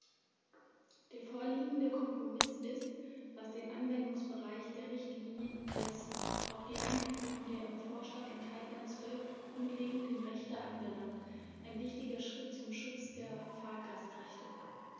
Der vorliegende Kompromiss ist, was den Anwendungsbereich der Richtlinie als auch die Einführung der im Vorschlag enthaltenen 12 grundlegenden Rechte anbelangt, ein wichtiger Schritt zum Schutz der Fahrgastrechte.